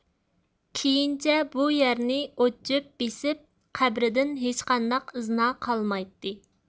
كېيىنچە بۇ يەرنى ئوت چۆپ بېسىپ قەبرىدىن ھېچقانداق ئىزنا قالمايتتى